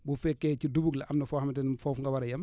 bu fekkee ci dugub la am na foo xamante ni foofu nga war a yem